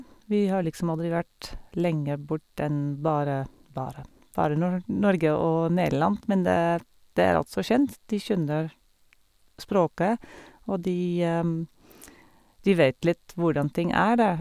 Vi har liksom aldri vært lenger bort enn bare bare bare nor Norge og Nederland, men det er der er alt så kjent, de skjønner språket og de de vet litt hvordan ting er der.